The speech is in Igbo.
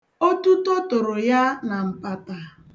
Otuto toro ya na mpata.